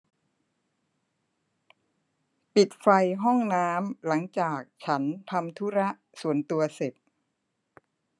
ปิดไฟห้องน้ำหลังจากฉันทำธุระส่วนตัวเสร็จ